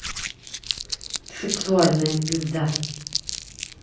сексуальная пизда